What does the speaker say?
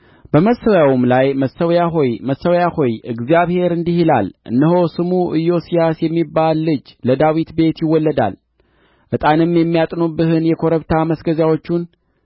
በመሠዊያውም ላይ መሠዊያ ሆይ መሠዊያ ሆይ እግዚአብሔር እንዲህ ይላል እነሆ ስሙ ኢዮስያስ የሚባል ልጅ ለዳዊት ቤት ይወለዳል ዕጣንም የሚያጥኑብህን የኮረብታ መስገጃዎቹን